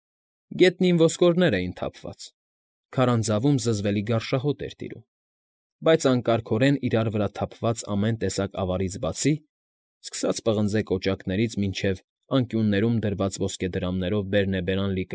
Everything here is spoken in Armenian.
Գետնին ոսկորներ էին թափված, քարանձավում զզվելի գարշահոտ էր տիրում, բայց անկարգորեն իրար վրա թափված ամեն տեսակ ավարից բացի (սկսած պղնձե կոճակներից մինչև անկյուններում դրված ոսկեդրամներով բերնեբերան լի։